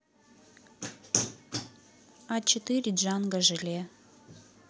а четыре джанга желе